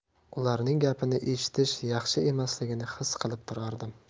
ularning gapini eshitish yaxshi emasligini his qilib turardim